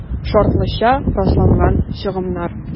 «шартлыча расланган чыгымнар»